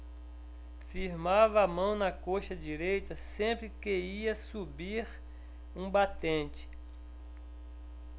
firmava a mão na coxa direita sempre que ia subir um batente